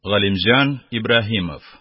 Галимҗан Ибраһимов